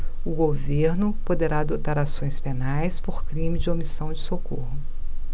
o governo poderá adotar ações penais por crime de omissão de socorro